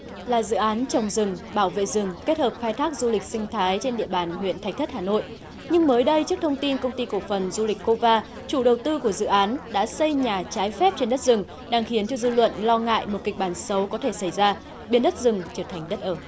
là dự án trồng rừng bảo vệ rừng kết hợp khai thác du lịch sinh thái trên địa bàn huyện thạch thất hà nội nhưng mới đây trước thông tin công ty cổ phần du lịch cô va chủ đầu tư của dự án đã xây nhà trái phép trên đất rừng đang khiến cho dư luận lo ngại một kịch bản xấu có thể xẩy ra biến đất rừng trở thành đất ở